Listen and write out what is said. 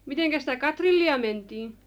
mitenkäs sitä katrillia mentiin